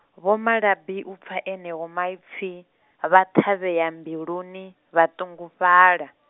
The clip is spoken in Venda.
Vho Malabi u pfa eneo maipfi, vha thavhea mbiluni, vhatungufhala.